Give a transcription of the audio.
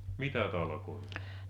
mitä talkoita